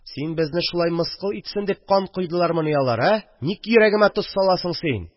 Син безне шулай мыскыл итсен дип кан койдылармыни алар, ә? Ник йөрәгемә тоз саласың син